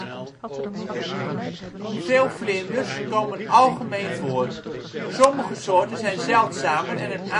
Veel vlinders komen algemeen voor. Sommige soorten zijn zeldzamer en